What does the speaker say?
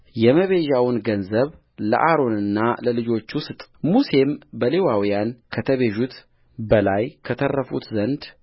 የመቤዣውን ገንዘብ ለአሮንና ለልጆቹ ስጥሙሴም በሌዋውያን ከተቤዡት በላይ ከተረፉት ዘንድ